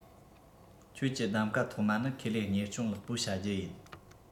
ཁྱོད ཀྱི གདམ ག ཐོག མ ནི ཁེ ལས གཉེར སྐྱོང ལེགས པོ བྱ རྒྱུ ཡིན